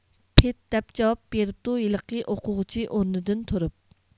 پېد دەپ جاۋاب بېرىپتۇ ھېلىقى ئوقۇغۇچى ئورنىدىن تۇرۇپ